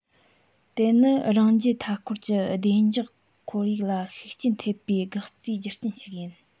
དེ ནི རང རྒྱལ མཐའ སྐོར གྱི བདེ འཇགས ཁོར ཡུག ལ ཤུགས རྐྱེན ཐེབས པའི འགག རྩའི རྒྱུ རྐྱེན ཞིག ཡིན